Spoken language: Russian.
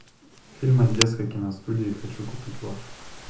фильм одесской киностудии хочу купить ваш